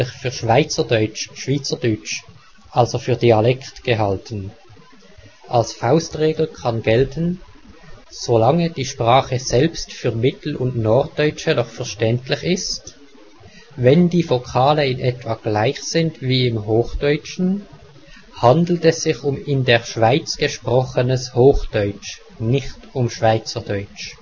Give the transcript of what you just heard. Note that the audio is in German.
für " Schweizerdeutsch " (Schwyzerdütsch), also für Dialekt, gehalten. Als Faustregel kann gelten: Solange die Sprache selbst für Mittel - und Norddeutsche noch verständlich ist, wenn die Vokale in etwa gleich sind wie im Hochdeutschen, handelt es sich um in der Schweiz gesprochenes Hochdeutsch, nicht um Schweizerdeutsch